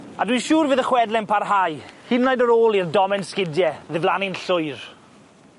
A dwi'n siŵr fydd y chwedle'n parhau hyd yn oed ar ôl i'r domen sgidie ddiflannu'n llwyr.